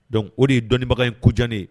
Dɔnkuc o de ye dɔnniibaga in kojannen